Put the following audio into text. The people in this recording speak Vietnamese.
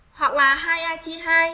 thật là hay hay hay